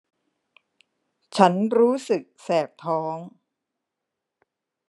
ฉันรู้สึกแสบท้อง